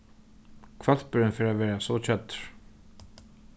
hvølpurin fer at verða so keddur